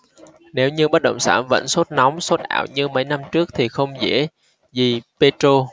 nếu như bất động sản vẫn sốt nóng sốt ảo như mấy năm trước thì không dễ gì petro